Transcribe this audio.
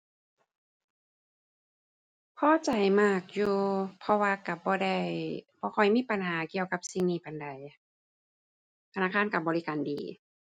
พอใจมากอยู่เพราะว่าก็บ่ได้ บ่ค่อยมีปัญหาเกี่ยวกับสิ่งนี้ปานใด ธนาคารก็บริการดี